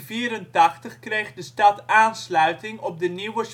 1884 kreeg de stad aansluiting op de nieuwe